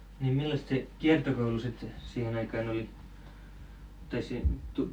niin minkälaista se kiertokoulu sitten siihen aikaan oli tai siinä -